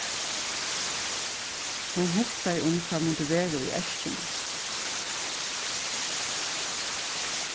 hon hugsaði um hvat mundi vera í eskjuni